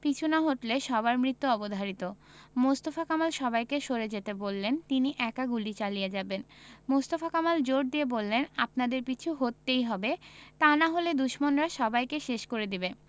পিছু না হটলে সবার মৃত্যু অবধারিত মোস্তফা কামাল সবাইকে সরে যেতে বললেন তিনি একা গুলি চালিয়ে যাবেন মোস্তফা কামাল জোর দিয়ে বললেন আপনাদের পিছু হটতেই হবে তা না হলে দুশমনরা সবাইকে শেষ করে দেবে